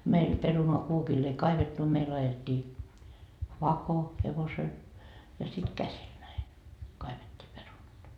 meillä perunaa kuokilla ei kaivettu meillä ajettiin vako hevosella ja sitten käsillä näin kaivettiin perunat